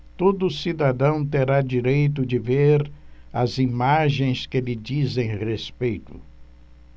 todo cidadão terá direito de ver as imagens que lhe dizem respeito